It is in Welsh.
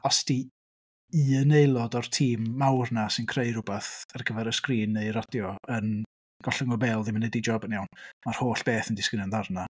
Os 'di un aelod o'r tîm mawr 'na sy'n creu rhywbeth ar gyfer y sgrin neu'r radio yn gollwng y bêl, ddim yn wneud ei job yn iawn mae'r holl beth yn disgyn yn ddarnau.